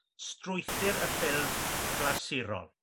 strwythur y ffilm glasurol.